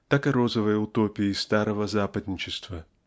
так и розовые утопии старого западничества.